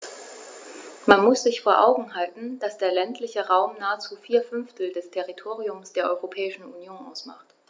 Man muss sich vor Augen halten, dass der ländliche Raum nahezu vier Fünftel des Territoriums der Europäischen Union ausmacht.